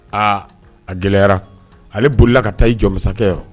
Aa a gɛlɛyara ale bolila ka taa i jɔ masakɛ yɔrɔ